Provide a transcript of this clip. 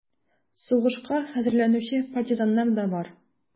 Сугышка хәзерләнүче партизаннар да бар: